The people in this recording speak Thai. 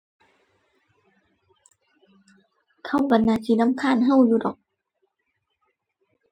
เขาก็น่าสิรำคาญก็อยู่ดอก